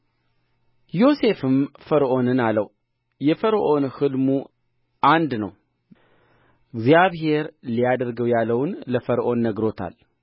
ዮሴፍም ፈርዖንን አለው የፈርዖን ሕልሙ አንድ ነው እግዚአብሔር ሊያደርገው ያለውን ለፈርዖን ነግሮታል